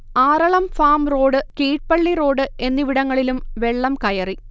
Aralam farm road Keezhpally road എന്നിവിടങ്ങളിലും വെള്ളം കയറി